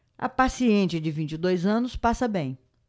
a paciente de vinte e dois anos passa bem